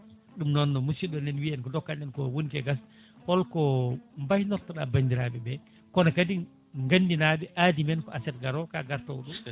ɗum noo musiɗɗo nana wiiya ko ndokkano ɗen ko woni koye gasde holko mbaynorto ɗa bandiraɓeɓe kono kadi gandinaɓe aadi men ko aset garawo ka gartowo ɗo